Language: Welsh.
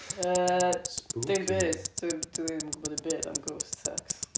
yy dim byd... spooky... dwi 'm... dw i ddim yn gwbod 'im byd am Ghost Sex.